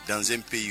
Gan pe ye yen